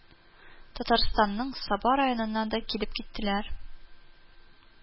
Татарстанның Саба районыннан да килеп киттеләр